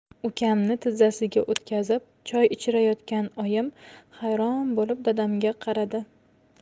ukamni tizzasiga o'tkazib choy ichirayotgan oyim hayron bo'lib dadamga qaradi